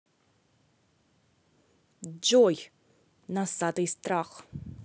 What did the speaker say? джой носатый страх